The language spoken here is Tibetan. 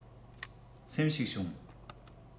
སེམས ཞིག བྱུང